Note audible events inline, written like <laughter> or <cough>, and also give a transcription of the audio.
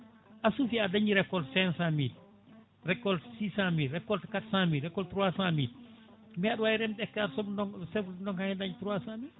a suufi a dañi récolte cinq cent mille récolte six cent mille récolte quatre cent mille récolte trois cent mille mais aɗa wawi remde hectare soble <hesitation> donka hen dañde trois cent mille